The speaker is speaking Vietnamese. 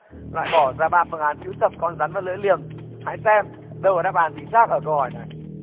loại bỏ ra ba phương án chữ thập con rắn và lưỡi liềm hãy xem đâu là đáp án chính xác ở câu hỏi